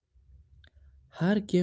har kim har